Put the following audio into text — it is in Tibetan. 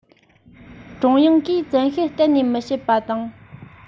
ཀྲུང དབྱང གིས བཙན ཤེད གཏན ནས མི བྱེད པ དང